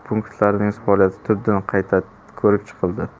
punktlarining faoliyati tubdan qayta ko'rib chiqildi